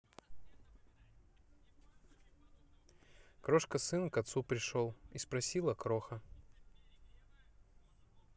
крошка сын к отцу пришел и спросила кроха